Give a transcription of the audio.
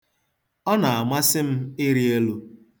Ọ na-amasị m ịrị elu.